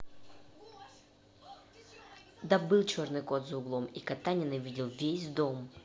да был черный кот за углом и кота ненавидел весь дом